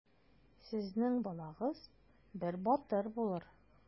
Сезнең балагыз бер батыр булыр.